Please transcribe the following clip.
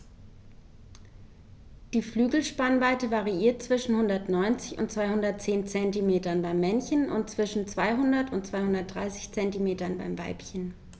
Die Flügelspannweite variiert zwischen 190 und 210 cm beim Männchen und zwischen 200 und 230 cm beim Weibchen.